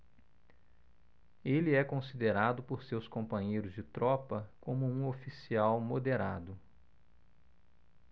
ele é considerado por seus companheiros de tropa como um oficial moderado